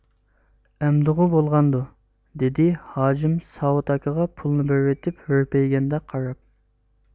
ئەمدىغۇ بولغاندۇ دېدى ھاجىم ساۋۇت ئاكىغا پۇلنى بېرىۋېتىپ ھۈرپەيگەندەك قاراپ